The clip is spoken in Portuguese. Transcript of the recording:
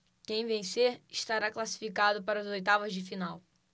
quem vencer estará classificado para as oitavas de final